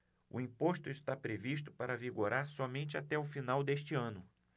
o imposto está previsto para vigorar somente até o final deste ano